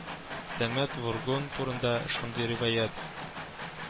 Сәмәд Вургун турында шундый риваять